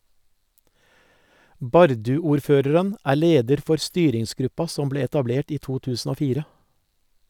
Bardu-ordføreren er leder for styringsgruppa som ble etablert i 2004.